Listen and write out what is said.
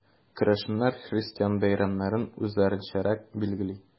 Керәшеннәр христиан бәйрәмнәрен үзләренчәрәк билгели.